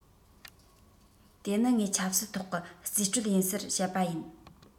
དེ ནི ངའི ཆབ སྲིད ཐོག གི རྩིས སྤྲོད ཡིན ཟེར བཤད པ ཡིན